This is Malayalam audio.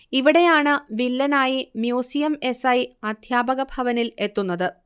ഇവിടെയാണ് വില്ലനായി മ്യൂസിയം എസ്. ഐ അദ്ധ്യാപകഭവനിൽ എത്തുന്നത്